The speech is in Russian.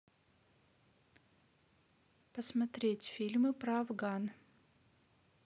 посмотреть фильмы про афган